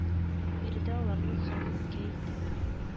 Биредә аларның саны кә итә